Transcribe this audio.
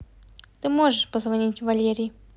ты можешь позвонить валерий